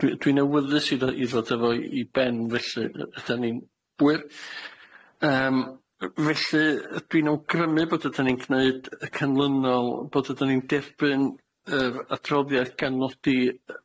Dwi dwi'n awyddus i ddo- i ddod â fo i i ben felly. Yy rydan ni'n hwyr, yym felly rydw i'n awgrymu bod ydan ni'n gneud y canlynol, bod ydan ni'n derbyn yr adroddiad gan nodi y-